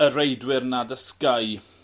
y reidwyr 'na 'da Sky